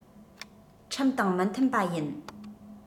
ཁྲིམས དང མི མཐུན པ ཡིན